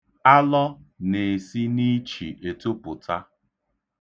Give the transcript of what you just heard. Alọ na-esi n'ichi etopụta.